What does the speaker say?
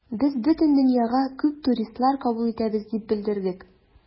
Без бөтен дөньяга быел күп туристлар кабул итәбез дип белдердек.